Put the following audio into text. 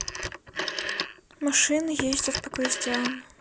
машины ездят по гвоздям